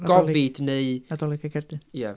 Gofid neu.... Nadolig y Cerdyn ...ia.